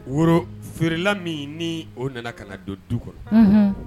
Woro feerela min ni o nana ka na don du kɔnɔ